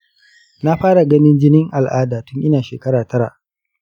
na fara ganin jinin al’ada tun ina shekara tara.